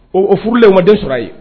O o furulen o ma den sɔr'a ye